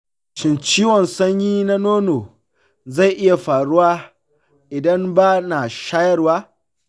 shin ciwon sanyi na nono zai iya faruwa idan ba na shayarwa?